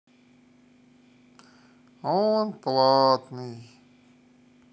он платный